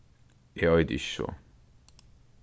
eg eiti ikki so